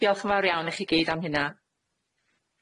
Diolch yn fawr iawn i chi gyd am hunna.